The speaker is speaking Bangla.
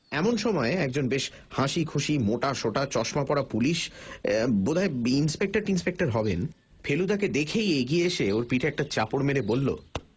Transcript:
এমন সময় একজন বেশ হাসিখুশি মোটাসোটা চশমা পরা পুলিশ বোধহয় ইনস্পেক্টর টিনস্পেক্টর হবেন ফেলুদাকে দেখেই এগিয়ে এসে ওর পিঠে একটা চাপড় মেরে বলল